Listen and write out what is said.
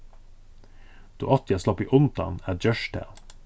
tú átti at sloppið undan at gjørt tað